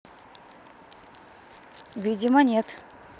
видимо нет